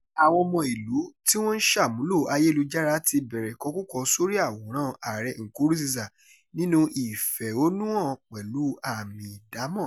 Àwọn ọmọ ìlú tí wọ́n ń ṣàmúlò ayélujára ti bẹ̀rẹ̀ ìkọkúkọ sórí àwòrán ààrẹ Nkurunziza nínú ìfẹ̀hónúhàn pẹ̀lú àmì ìdámọ̀